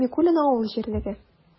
Микулино авыл җирлеге